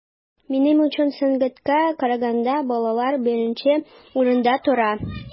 Минем өчен сәнгатькә караганда балалар беренче урында тора.